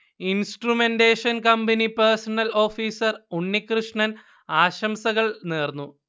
instrumentation company personnel officer Unnikrishnan ആശംസകൾ നേർന്നു